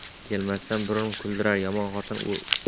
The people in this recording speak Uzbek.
yaxshi xotin kelmasdan burun kuldirar